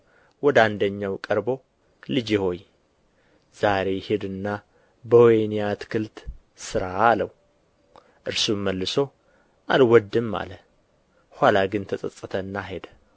ወደ አንደኛው ቀርቦ ልጄ ሆይ ዛሬ ሂድና በወይኔ አትክልት ሥራ አለው እርሱም መልሶ አልወድም አለ ኋላ ግን ተጸጸተና ሄደ